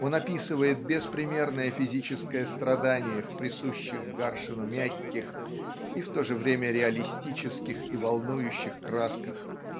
он описывает беспримерное физическое страдание в присущих Гаршину мягких и в то же время реалистических и волнующих красках